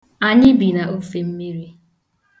Anyị bi n'ofemmiri.